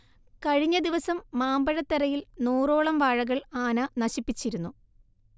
കഴിഞ്ഞദിവസം മാമ്പഴത്തറയിൽ നൂറോളം വാഴകൾ ആന നശിപ്പിച്ചിരുന്നു